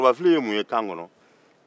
forobafili ye mun ye kan kɔnɔ